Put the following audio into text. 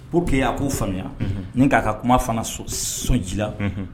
Pour que a k'o faamuya n k'a ka kuma fana sɔn sɔn ji la.